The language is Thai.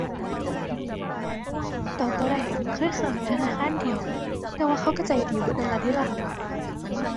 ตอบบ่ได้ เคยเข้าอยู่ธนาคารเดียว แต่ว่าเขาก็ใจดีเบิดนั่นล่ะเดะล่ะ